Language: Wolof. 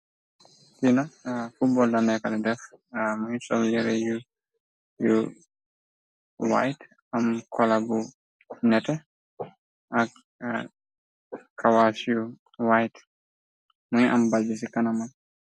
Li nak futbol la nekka di dèf, mugii sol yirèh yu white am kolor bu netteh ak kawas yu white mugii am ball bi ci kanamam.